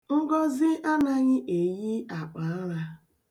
Ngozị anaghị eyi akpaara.